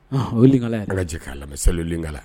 Oka an ka jɛ k' a lamɛn sakala la